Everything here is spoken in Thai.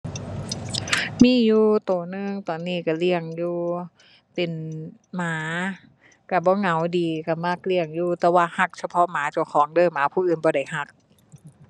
มีอยู่ตัวหนึ่ง ตอนนี้ตัวเลี้ยงอยู่ เป็นหมา ตัวบ่เหงาดี ตัวมักเลี้ยงอยู่ แต่ว่าตัวเฉพาะหมาเจ้าของเด้อ หมาผู้อื่นบ่ได้ตัว